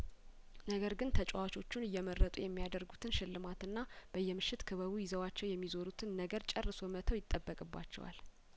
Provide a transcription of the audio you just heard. ነገር ግን ተጫዋቾችን እየመረጡ የሚያደርጉትን ሽልማትና በየምሽት ክበቡ ይዘዋቸው የሚዞሩትን ነገር ጨርሶ መተው ይጠበቅባቸዋል